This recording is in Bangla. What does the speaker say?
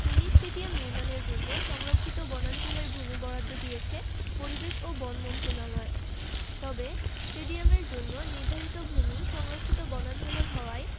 মিনি স্টেডিয়াম নির্মাণের জন্য সংরক্ষিত বনাঞ্চলের ভূমি বরাদ্দ দিয়েছে পরিবেশ ও বন মন্ত্রণালয় তবে স্টেডিয়ামের জন্য নির্ধারিত ভূমি সংরক্ষিত বনাঞ্চলের হওয়ায়